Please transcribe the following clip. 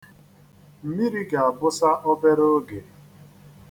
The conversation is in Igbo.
Mmiri ga-abụsa obere oge.